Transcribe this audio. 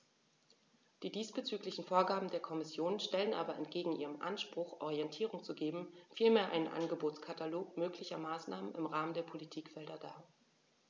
Die diesbezüglichen Vorgaben der Kommission stellen aber entgegen ihrem Anspruch, Orientierung zu geben, vielmehr einen Angebotskatalog möglicher Maßnahmen im Rahmen der Politikfelder dar.